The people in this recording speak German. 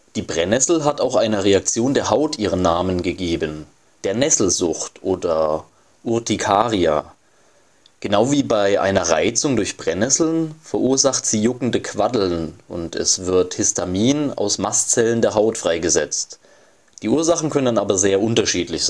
Die Brennnessel hat auch einer Reaktion der Haut ihren Namen gegeben, der Nesselsucht oder Urtikaria. Genau wie bei einer Reizung durch Brennnesseln verursacht sie juckende Quaddeln und es wird Histamin aus Mastzellen der Haut freigesetzt. Die Ursachen können aber sehr unterschiedlich